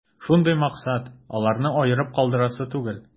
Шундый максат: аларны аерып калдырасы түгел.